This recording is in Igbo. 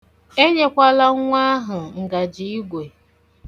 Enyekwala nwa ahụ ngaji igwe.